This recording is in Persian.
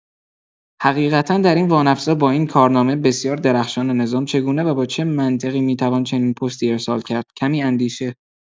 حقیقتا در این وانفسا با این کارنامه بسیار درخشان نظام، چگونه و با چه منطقی میتوان چنین پستی ارسال کرد، کمی اندیشه.